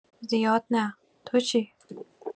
زیاد نه. تو چی؟